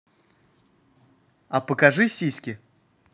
а покажи сиськи